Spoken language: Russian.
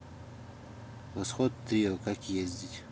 восход трио как ездить